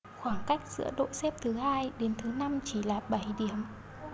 khoảng cách giữa đội xếp thứ hai đến thứ năm chỉ là bảy điểm